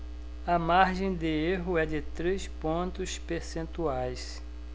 a margem de erro é de três pontos percentuais